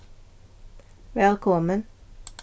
vælkomin